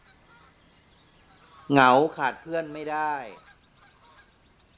เหงาขาดเพื่อนไม่ได้